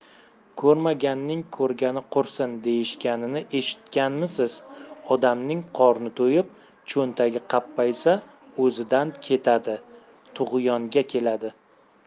ko'rmaganning ko'rgani qursin deyishganini eshitganmisiz odamning qorni to'yib cho'ntagi qappaysa o'zidan ketadi tug'yonga keladi